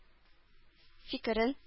Фикерен